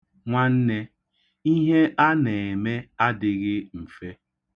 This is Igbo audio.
Nwanne, ihe a na-eme adịghị mfe.